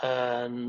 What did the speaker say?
yn